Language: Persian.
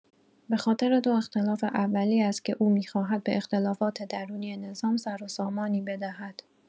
به‌خاطر دو اختلاف اولی است که او می‌خواهد به اختلافات درونی نظام سر و سامانی بدهد.